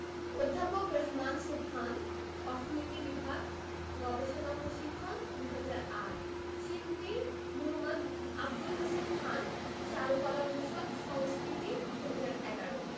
অধ্যাপক রেহমান সোবহান অর্থনীতি বিভাগ গবেষণা ও প্রশিক্ষণ ২০০৮ শিল্পী মু. আব্দুল হাশেম খান চারুকলা অনুষদ সংস্কৃতি ২০১১